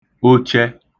ochẹ